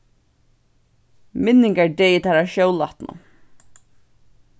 minningardegi teirra sjólátnu